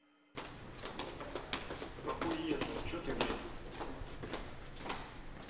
охуенно че ты блин